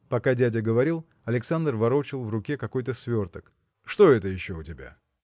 Пока дядя говорил, Александр ворочал в руке какой-то сверток. – Что это еще у тебя?